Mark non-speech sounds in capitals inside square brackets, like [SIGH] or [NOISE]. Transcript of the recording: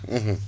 [HESITATION] [HESITATION]